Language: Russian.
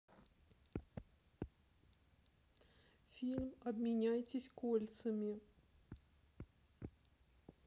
фильм обменяйтесь кольцами